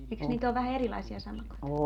eikös niitä ole vähän erilaisia sammakoita